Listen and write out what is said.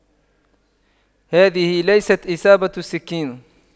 هذه ليست اصابة سكين